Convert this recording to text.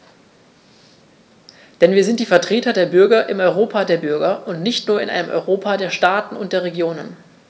Denn wir sind die Vertreter der Bürger im Europa der Bürger und nicht nur in einem Europa der Staaten und der Regionen.